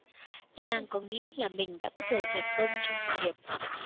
trang có nghĩ là mình đã bước đầu thành công trong sự nghiệp